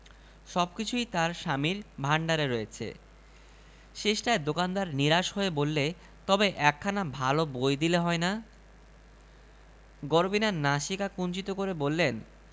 সবকিছুই তার স্বামীর ভাণ্ডারে রয়েছে শেষটায় দোকানদার নিরাশ হয়ে বললে তবে একখানা ভাল বই দিলে হয় না গরবিনী নাসিকা কুঞ্চিত করে বললেন